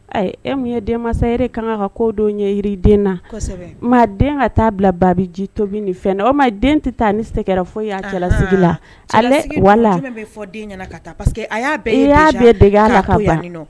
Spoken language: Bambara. E ye den ere kan kan ka ko don ɲɛ yiriden na maa den ka t'a bila baa ji tobi nin fɛn na o ma den tɛ taa ni se fo y'a cɛlasigi la'a